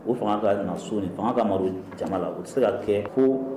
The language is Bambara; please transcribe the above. O fanga ka ka so fanga ka amadu jama la o tɛ se ka kɛ ko